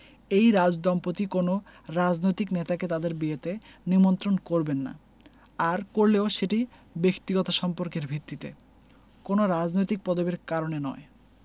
এই রাজদম্পতি কোনো রাজনৈতিক নেতাকে তাঁদের বিয়েতে নিমন্ত্রণ করবেন না আর করলেও সেটি ব্যক্তিগত সম্পর্কের ভিত্তিতে কোনো রাজনৈতিক পদবির কারণে নয়